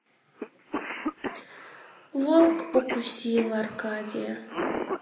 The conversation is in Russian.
волк укусил аркадия